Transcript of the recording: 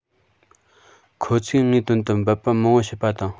ཁོ ཚོས ངའི དོན དུ འབད པ མང བོ བྱས པ དང